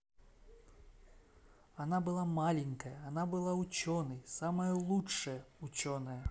она была маленькая она была ученой самая лучшая ученая